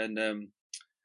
yn yym ...